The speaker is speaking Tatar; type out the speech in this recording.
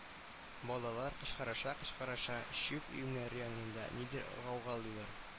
Балалар кычкырыша-кычкырыша чүп өемнәре янында нидер гаугалыйлар